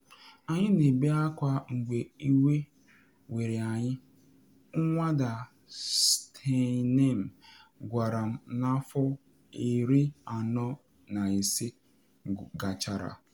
“Anyị na ebe akwa mgbe iwe were anyị,” Nwada Steinem gwara m n’afọ 45 gachara.